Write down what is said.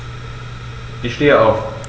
Ich stehe auf.